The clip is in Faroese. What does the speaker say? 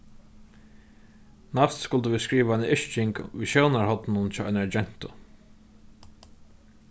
næst skuldu vit skriva eina yrking í sjónarhorninum hjá einari gentu